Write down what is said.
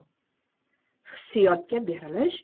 hissiyotga berilish